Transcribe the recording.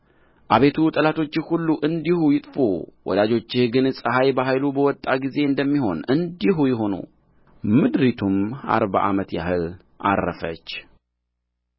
አቤቱ ጠላቶችህ ሁሉ እንዲሁ ይጥፉ ወዳጆችህ ግን ፀሐይ በኃይሉ በወጣ ጊዜ እንደሚሆን እንዲሁ ይሁኑ ምድሪቱም አርባ ዓመት ያህል ዐረፈች